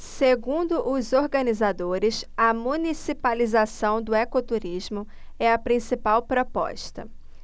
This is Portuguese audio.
segundo os organizadores a municipalização do ecoturismo é a principal proposta